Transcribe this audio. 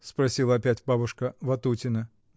— спросила опять бабушка Ватутина.